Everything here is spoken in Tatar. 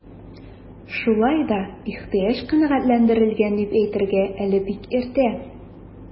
Шулай да ихтыяҗ канәгатьләндерелгән дип әйтергә әлегә бик иртә.